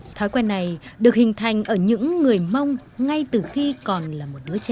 thói quen này được hình thành ở những người mông ngay từ khi còn là một đứa trẻ